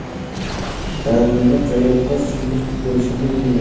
dardini qayoqqa singdirishini bilmaydi